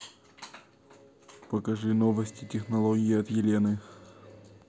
покажи новости технологии от елены